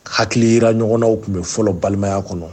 Hakili jira ɲɔgɔnnaw tun bɛ fɔlɔ balimaya kɔnɔ.